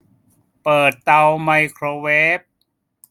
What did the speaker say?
เปิดเตาไมโครเวฟ